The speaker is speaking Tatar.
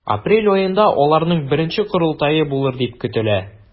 Апрель аенда аларның беренче корылтае булыр дип көтелә.